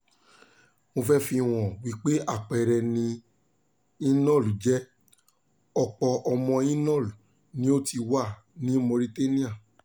Mo fẹ́ fi hàn wípé àpẹẹrẹ ni Inal jẹ́; ọ̀pọ̀ ọmọ Inal' ni ó ti wà ní Mauritania.